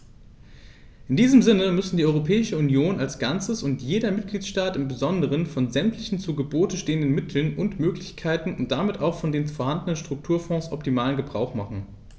In diesem Sinne müssen die Europäische Union als Ganzes und jeder Mitgliedstaat im Besonderen von sämtlichen zu Gebote stehenden Mitteln und Möglichkeiten und damit auch von den vorhandenen Strukturfonds optimalen Gebrauch machen.